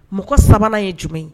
Mɔgɔ sabanan ye jumɛn ye